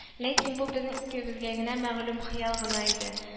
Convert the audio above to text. Ләкин бу безнең икебезгә генә мәгълүм хыял гына иде